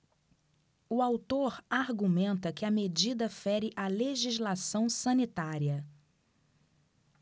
o autor argumenta que a medida fere a legislação sanitária